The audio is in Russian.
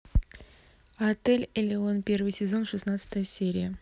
отель элеон первый сезон шестнадцатая серия